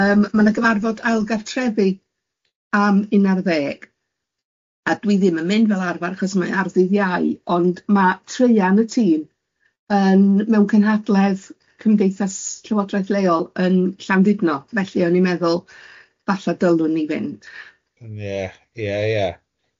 Yym ma' na gyfarfod ail gartrefi am un ar ddeg, a dwi ddim yn mynd fel arfer achos mae ar ddydd Iau, ond ma' treuan y tîm yn mewn cynhadledd Cymdeithas Llywodraeth Leol yn Llandudno, felly o'n i'n meddwl falle dylwn i fynd. Ia, ia ia.